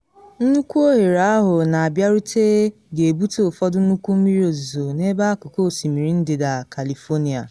Nnukwu oghere ahụ na abịarute ga-ebute ụfọdụ nnukwu mmiri ozizo n’ebe akụkụ osimiri Ndịda California.